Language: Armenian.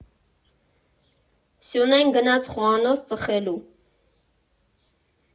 Սյունեն գնաց խոհանոց ծխելու։